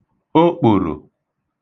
okpòrò